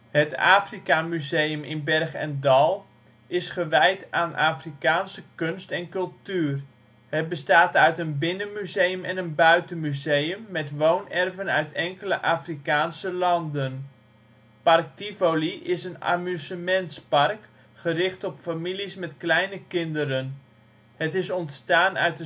Het Afrika Museum in Berg en Dal is gewijd aan Afrikaanse kunst en cultuur. Het bestaat uit een binnenmuseum en een buitenmuseum met woonerven uit enkele Afrikaanse landen. Park Tivoli is een amusementspark, gericht op families met kleine kinderen. Het is ontstaan uit